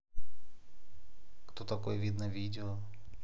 кто такой видно видео